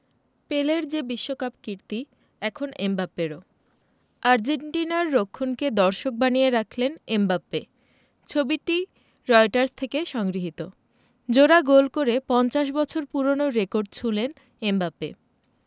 পেলের যে বিশ্বকাপ কীর্তি এখন এমবাপ্পেরও আর্জেন্টিনার রক্ষণকে দর্শক বানিয়ে রাখলেন এমবাপ্পে ছবিটি রয়টার্স থেকে সংগৃহীত জোড়া গোল করে ৫০ বছর পুরোনো রেকর্ড ছুঁলেন এমবাপ্পে